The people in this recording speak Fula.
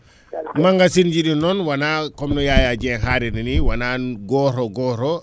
maga sen jiiɗi noon wona comme no Yaya Dieng haalirini wona goto